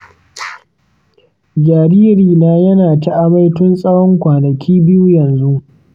jaririna yana ta amai tun tsawon kwanaki biyu yanzu.